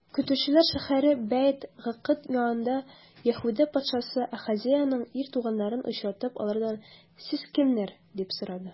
Көтүчеләр шәһәре Бәйт-Гыкыд янында ул, Яһүдә патшасы Ахазеянең ир туганнарын очратып, алардан: сез кемнәр? - дип сорады.